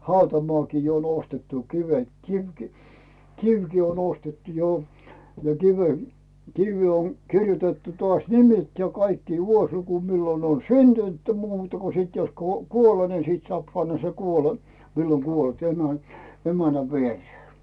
hautamaakin jo on ostettu kivet kivikin kivikin on ostettu jo ja - kiveen on kirjoitettu taas nimet ja kaikki vuosiluku milloin on syntynyt muuta kun sitten jos - kuolen niin sitten saa panna sen - milloin kuollut - emännän viereen